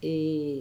Ee